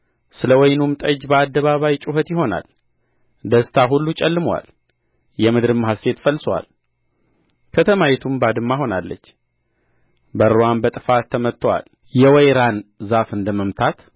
ስለ ወይኑም ጠጅ በአደባባይ ጩኸት ይሆናል ደስታ ሁሉ ጨልሞአል የምድርም ሐሤት ፈርሶአል ከተማይቱም ባድማ ሆናለች በርዋም በጥፋት ተመትቶአል የወይራን ዛፍ እንደ መምታት